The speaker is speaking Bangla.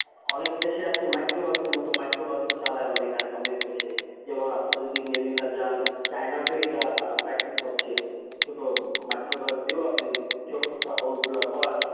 অনেক দেশে আছে মাইক্রোবাসের মত মাইক্রো বাস চালায় অনেকে আছে অনেক দেশে যেমন আপনি যদি মেরিনা যান চায়নাতে ওইটা এটার প্রেকটিস হচ্ছে মাইক্রোবাস দিয়েও আপনি ছোট ছোট বাহন গুলা করা যায়